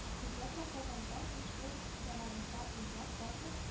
Бигрәк тә Казанда биш ел дәвамында уйнап, барлык